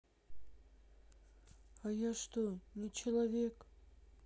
а я что не человек